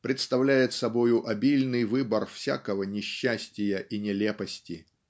представляет собою обильный выбор всякого несчастия и нелепости.